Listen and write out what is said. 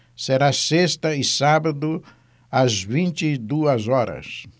será sexta e sábado às vinte e duas horas